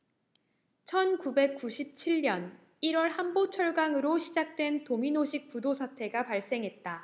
천 구백 구십 칠 년 일 월 한보 철강으로 시작된 도미노식 부도 사태가 발생했다